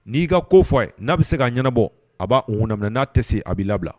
N'i'i ka ko fɔ ye n'a bɛ se ka a ɲɛnabɔ a b'minɛ n'a tɛ se a bɛ labila